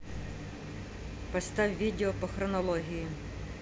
поставь видео по хронологии